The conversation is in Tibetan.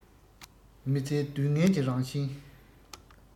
མི ཚེའི སྡུག བསྔལ གྱི རང བཞིན